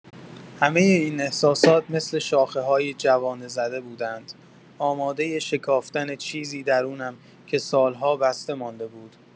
همۀ این احساسات مثل شاخه‌هایی جوانه‌زده بودند، آمادۀ شکافتن چیزی درونم که سال‌ها بسته مانده بود.